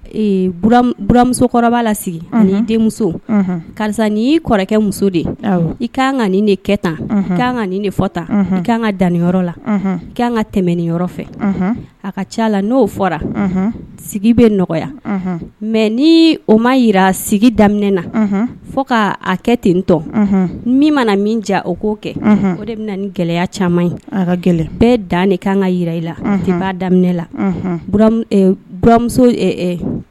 Bmuso karisa kɔrɔkɛ muso de ye i ka ne kɛ tan k' fɔ tan k ka danyɔrɔ la k' ka tɛmɛ ni yɔrɔ fɛ a ka ca la n'o fɔra sigi bɛ nɔgɔya mɛ ni o ma jirara sigi daminɛ na fɔ k' kɛ ten n tɔ min mana min ja o k'o kɛ o de bɛna ni gɛlɛya caman ye gɛlɛya bɛɛ dan de k' kan ka jira i la b' daminɛ la bmuso